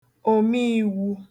òmiīwū